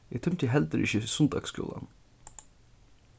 eg tímdi heldur ikki sunnudagsskúlan